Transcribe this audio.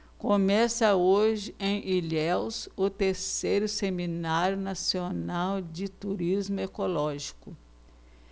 começa hoje em ilhéus o terceiro seminário nacional de turismo ecológico